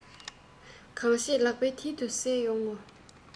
གང བྱས ལག པའི མཐིལ དུ གསལ ཡོང ངོ